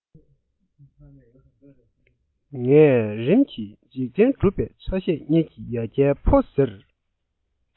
ངས རིམ གྱིས འཇིག རྟེན གྲུབ པའི ཆ ཤས གཉིས ཀྱི ཡ གྱལ ཕོ ཟེར